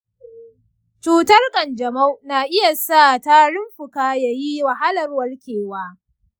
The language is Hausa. cutar ƙanjamau na iya sa tarin fuka yayi wahalar warkewa?